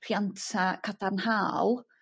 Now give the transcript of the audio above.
rhianta cadarnhaol.